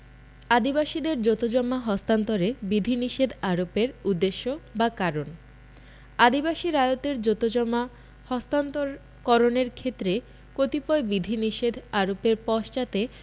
আদিবাসীদের জোতজমা হস্তান্তরে বিধিনিষেধ আরোপের উদ্দেশ্য বা কারণ আদিবাসী রায়তের জোতজমা হস্তান্তর করণের ক্ষেত্রে কতিপয় বিধিনিষেধ আরোপের পশ্চাতে